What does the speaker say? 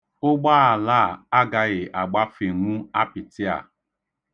Ụgbaala a agaghị agbafenwu apịtị a.